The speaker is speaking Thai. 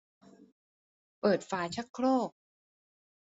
เปิดฝาชักโครก